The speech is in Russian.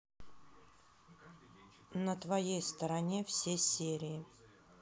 на твоей стороне все серии